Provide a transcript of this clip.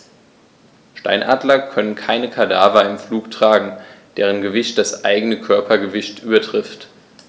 Steinadler können keine Kadaver im Flug tragen, deren Gewicht das eigene Körpergewicht übertrifft.